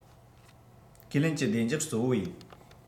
ཁས ལེན ཀྱི བདེ འཇགས གཙོ བོ ཡིན